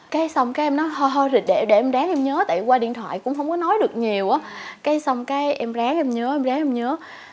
cái xong cái em nói hoi hoi rồi để để em ráng em nhớ tại qua điện thoại cũng không có nói được nhiều ớ cái xong cái em ráng em nhớ em ráng em nhớ